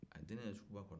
a ye deni ye suguba kɔno